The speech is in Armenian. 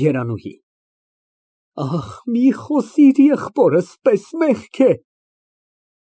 ԵՐԱՆՈՒՀԻ ֊ Ախ մի խոսիր եղբորս պես, մեղք է։